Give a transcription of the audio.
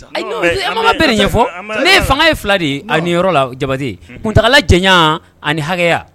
Ayi non an b’a bɛ de ɲɛfɔ, ne fanga ye fila de ye, a niyɔrɔla Jabate kuntaala janyan ani hakɛya